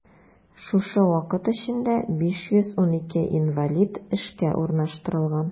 Шушы вакыт эчендә 512 инвалид эшкә урнаштырылган.